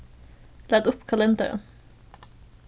lat upp kalendaran